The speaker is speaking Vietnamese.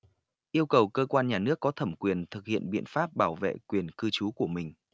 yêu cầu cơ quan nhà nước có thẩm quyền thực hiện biện pháp bảo vệ quyền cư trú của mình